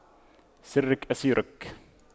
سرك أسيرك